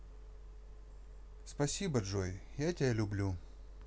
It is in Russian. спасибо джой я тебя люблю